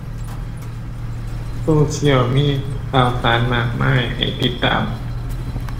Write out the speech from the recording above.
โซเชียลมีข่าวสารมากมายให้ติดตาม